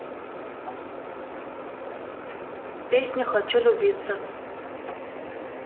песня хочу любится